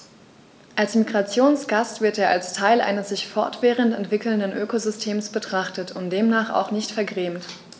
Als Migrationsgast wird er als Teil eines sich fortwährend entwickelnden Ökosystems betrachtet und demnach auch nicht vergrämt.